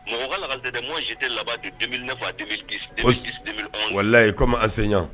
Mɔgɔ ka lakalili tɛ dɛ moi, j'étais la-bas de 2009 à 2010, 2010,2011 . Walayi comme enseignant .